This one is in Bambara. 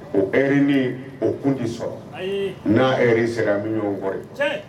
O r ni o kundi sɔrɔ n'a yɛrɛ sera mi bɔra ye